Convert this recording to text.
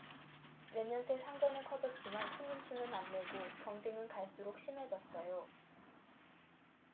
몇 년 새 상권은 커졌지만 손님 수는 안 늘고 경쟁은 갈수록 심해졌어요